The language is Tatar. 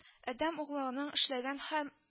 Адәм углының эшләгән һәм